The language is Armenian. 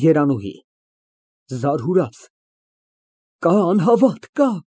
ԵՐԱՆՈՒՀԻ ֊ (Զարհուրած) Կա, անհավատ, կա։